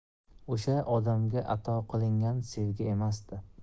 o'sha odamga ato qilingan sevgi emasdi